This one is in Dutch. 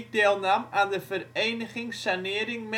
deelnam aan de Vereniging Sanering